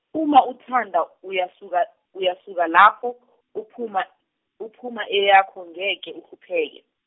uma uthanda uyasuka uyasuka lapho uphuma uphuma eyakho ngeke uhlupheke.